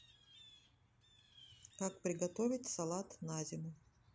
как приготовить салат на зиму